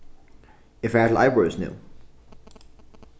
eg fari til arbeiðis nú